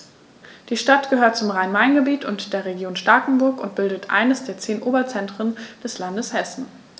Die Stadt gehört zum Rhein-Main-Gebiet und der Region Starkenburg und bildet eines der zehn Oberzentren des Landes Hessen.